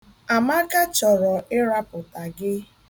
Amaka chọrọ ịrapụta gị.